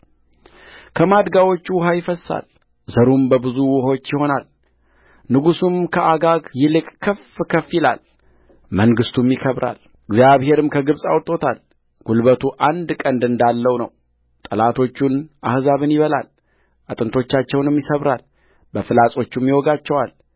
ከማድጋዎቹ ውኃ ይፈስሳልዘሩም በብዙ ውኆች ይሆናልንጉሡም ከአጋግ ይልቅ ከፍ ከፍ ይላል መንግሥቱም ይከበራልእግዚአብሔርም ከግብፅ አውጥቶታልጕልበቱ አንድ ቀንድ እንዳለው ነውጠላቶቹን አሕዛብን ይበላልአጥንቶቻቸውንም ይሰባብራልበፍላጾቹም ይወጋቸዋል